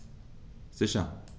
Sicher.